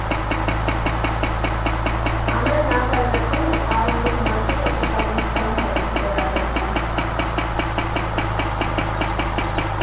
Ամեն նախագծին առանձնակի ուշադրությամբ ենք վերաբերվում։